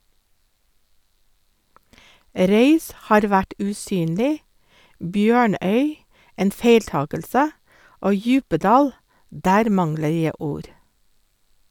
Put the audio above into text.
Røys har vært usynlig, Bjørnøy en feiltakelse og Djupedal - der mangler jeg ord.